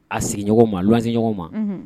A sigi ɲɔgɔn ma ɲɔgɔn ma